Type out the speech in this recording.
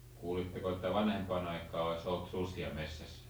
kuulitteko että vanhempaan aikaan olisi ollut susia metsässä